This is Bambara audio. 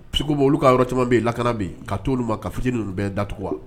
Segu olu ka yɔrɔ caman bɛ yen i lakana bi ka to kafit ninnu bɛɛ datugu wa